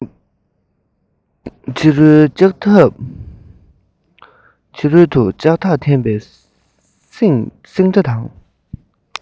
ཕྱི རོལ དུ ལྕགས ཐག འཐེན པའི སིང སྒྲ དང